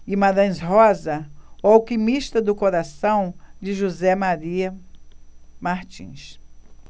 guimarães rosa o alquimista do coração de josé maria martins